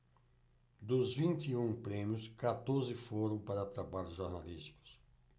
dos vinte e um prêmios quatorze foram para trabalhos jornalísticos